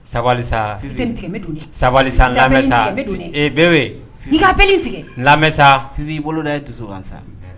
Sabalisa sabali katigisa i boloda tɛ sa